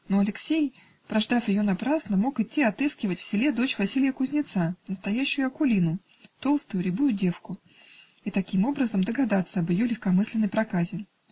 Но Алексей, прождав ее напрасно, мог идти отыскивать в селе дочь Василья кузнеца, настоящую Акулину, толстую, рябую девку, и таким образом догадаться об ее легкомысленной проказе.